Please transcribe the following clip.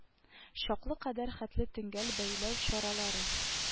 Чаклы кадәр хәтле тәңгәл бәйләү чаралары